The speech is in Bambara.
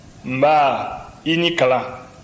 nba i ni kalan